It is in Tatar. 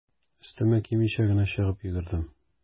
Өстемә кимичә генә чыгып йөгердем.